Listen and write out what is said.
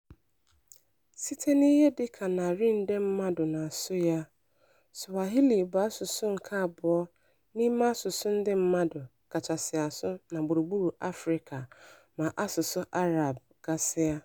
Site n'ihe dịka narị nde mmadụ na-asụ ya, Swahili bụ asụsụ nke abụọ n'ime asụsụ ndị mmadụ kachasị asụ na gburugburu Afrịka, ma asụsụ Arab gasịa.